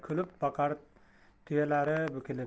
kulib boqar tuyalilar bukilib